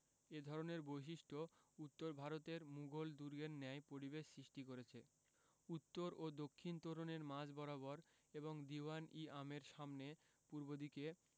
এ ধরনের বৈশিষ্ট্য উত্তর ভারতের মুগল দুর্গের ন্যায় পরিবেশ সৃষ্টি করেছে উত্তর ও দক্ষিণ তোরণের মাঝ বরাবর এবং দীউয়ান ই আমের সামনে পূর্ব দিকে